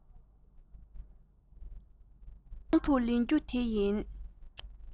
དང དུ ལེན རྒྱུ དེ ཡིན